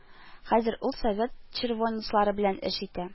Хәзер ул совет червонецлары белән эш итә